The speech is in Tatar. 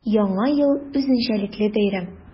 Яңа ел – үзенчәлекле бәйрәм.